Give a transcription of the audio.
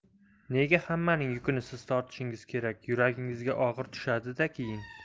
nega hammaning yukini siz tortishingiz kerak yuragingizga og'ir tushadi da keyin